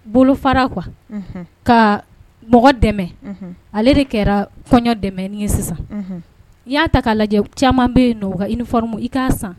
Bolofa kuwa ka mɔgɔ dɛmɛ ale de kɛra kɔɲɔ dɛmɛ ni ye sisan n y'a ta ka lajɛ caman bɛ yen i nimu i k ka san